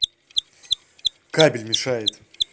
кабель мешает